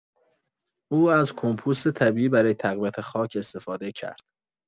او از کمپوست طبیعی برای تقویت خاک استفاده کرد.